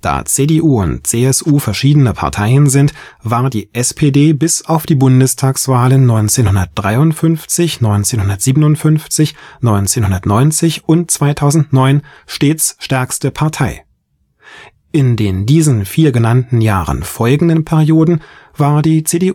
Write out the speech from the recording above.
Da CDU und CSU verschiedene Parteien sind, war die SPD bis auf die Bundestagswahlen 1953, 1957, 1990 und 2009 stets stärkste Partei. In den diesen vier genannten Jahren folgenden Perioden war die CDU